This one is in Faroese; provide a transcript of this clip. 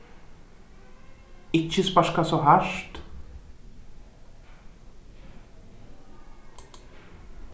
ikki sparka so hart